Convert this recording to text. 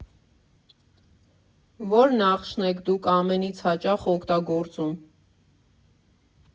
Ո՞ր նախշն եք Դուք ամենից հաճախ օգտագործում։